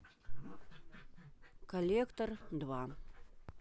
коллектор два